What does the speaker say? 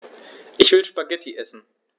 Ich will Spaghetti essen.